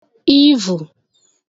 ivù